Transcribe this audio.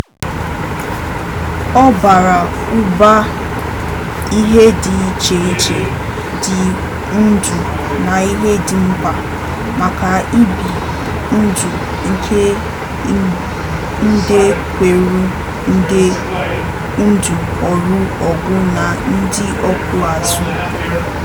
Ọ bara ụba n'ihe dị iche iche dị ndụ na ihe dị mkpa maka ibi ndụ nke nde kwụrụ nde ndị ọrụ ugbo na ndị ọkụ azụ.